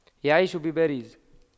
يعيش بباريس